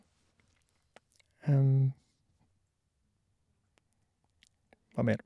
Hva mer?